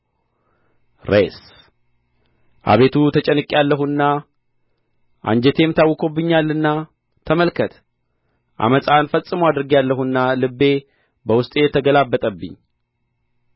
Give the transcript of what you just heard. ሬስ አቤቱ ተጨንቄአለሁና አንጀቴም ታውኮብኛልና ተመልከት ዓመፃን ፈጽሞ አድርጌአለሁና ልቤ በውስጤ ተገላበጠብኝ